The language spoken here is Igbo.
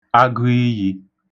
agụiyī